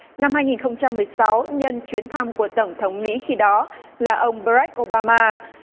năm hai nghìn không trăm mười sáu nhân chuyến thăm của tổng thống mỹ khi đó là ông ba rách ô ba ma